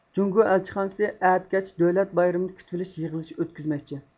جۇڭگۇ ئەلچىخانىسى ئەتە كەچ دۆلەت بايرىمىنى كۈتىۋىلىش يىغىلىشى ئۆتكۈزمەكچى